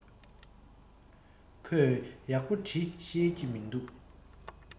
ཁོས ཡག པོ འབྲི ཤེས ཀྱི མིན འདུག